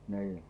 niin